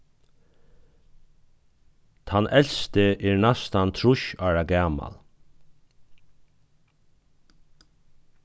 tann elsti er næstan trýss ára gamal